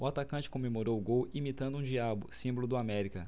o atacante comemorou o gol imitando um diabo símbolo do américa